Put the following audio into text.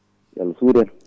yo Allah surren